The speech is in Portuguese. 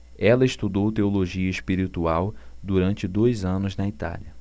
ela estudou teologia espiritual durante dois anos na itália